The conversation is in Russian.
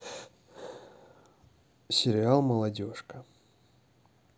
сериал молодежка